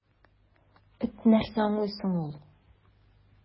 Эт нәрсә аңлый соң ул!